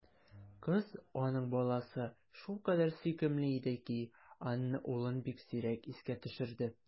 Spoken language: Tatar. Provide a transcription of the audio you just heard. Кыз, аның баласы, шулкадәр сөйкемле иде ки, Анна улын бик сирәк искә төшерде.